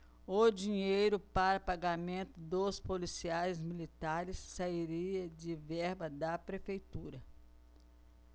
o dinheiro para pagamento dos policiais militares sairia de verba da prefeitura